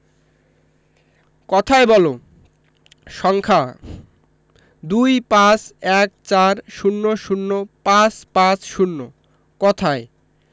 কথায় বলঃ সংখ্যাঃ ২৫ ১৪ ০০ ৫৫০ কথায়ঃ